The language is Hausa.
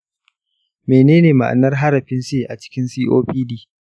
menene ma'anar harafin c a cikin copd?